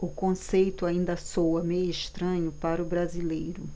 o conceito ainda soa meio estranho para o brasileiro